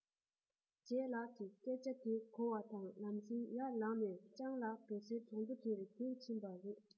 ལྗད ལགས ཀྱིས ཁོའི སྐད ཆ དེ གོ བ དང ལམ སེང ཡར ལངས ནས སྤྱང ལགས འགྲོ སའི གྲོང ཚོ དེར རྒྱུགས ཕྱིན པ རེད